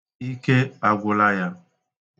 Ike agwụla ya.